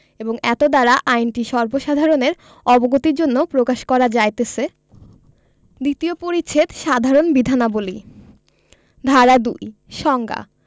এবং এতদ্বারা আইনটি সর্বসাধারণের অবগতির জন্য প্রকাশ করা যাইতেছে দ্বিতীয় পরিচ্ছেদ সাধারণ বিধানাবলী ধারা ২ সংজ্ঞা